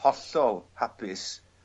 hollol hapus